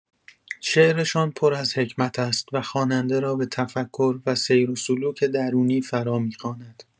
شعرشان پر از حکمت است و خواننده را به تفکر و سیر و سلوک درونی فرامی‌خواند.